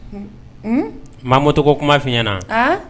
Maa mɔ tɔgɔ kuma fi ɲɛnaɲɛna